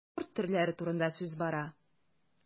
Спорт төрләре турында сүз бара.